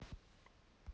растение